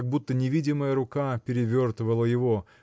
как будто невидимая рука перевертывала его